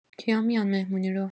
کیا میان مهمونی رو؟